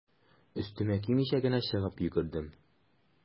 Өстемә кимичә генә чыгып йөгердем.